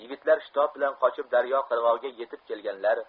yigitlar shitob bilan qochib daryo qirg'og'iga yetib kelganlar